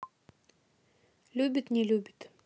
любит не любит